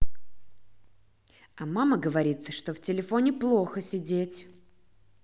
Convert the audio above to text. а мама говорит что в телефоне плохо сидеть